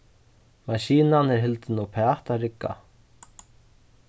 maskinan er hildin uppat at rigga